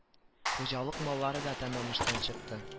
Хуҗалык маллары да тәмам эштән чыкты